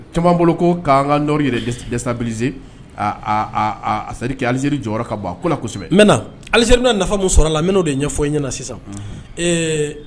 Caman bolo ko ka an ka nord yɛrɛ destabiliser a a a c'est à dire que Algérie jɔyɔrɔ ka bon a ko la kosɛbɛ. N bɛ na Algérie bɛna nafa mun sɔr'a la n bɛn'o de ɲɛfɔ i ɲana sisan. Unhun. Ee